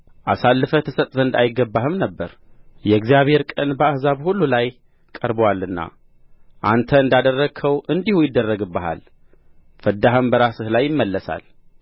አሳልፈህ ትሰጥ ዘንድ አይገባህም ነበር የእግዚአብሔር ቀን በአሕዛብ ሁሉ ላይ ቀርቦአልና አንተ እንዳደረግኸው እንዲሁ ይደረግብሃል ፍዳህም በራስህ ላይ ይመለሳል